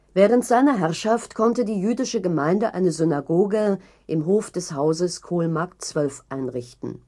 Während seiner Herrschaft konnte die jüdische Gemeinde eine Synagoge im Hof des Hauses Kohlmarkt 12 einrichten